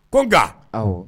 Ko nka awɔ